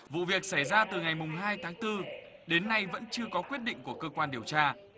vụ việc xảy ra từ ngày mùng hai tháng tư đến nay vẫn chưa có quyết định của cơ quan điều tra